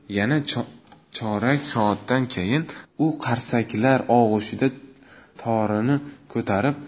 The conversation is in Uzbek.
yana chorak soatdan keyin u qarsaklar og'ushida torini ko'tarib